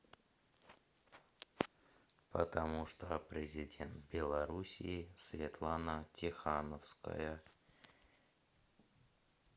потому что президент белоруссии светлана тихановская